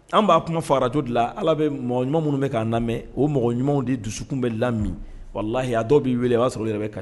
Anw ba kuma fɔ Radio de la . Ala bɛ mɔgɔ ɲuman minnu bɛ kan lamɛn o mɔgɔ ɲumanw de dusukun bɛ lami walahi a dɔw bi wele o ba sɔrɔ u yɛrɛ bɛ ka